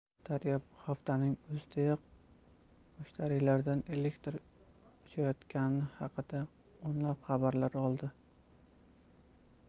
daryo bu haftaning o'zidayoq mushtariylardan elektr o'chayotgani haqida o'nlab xabarlar oldi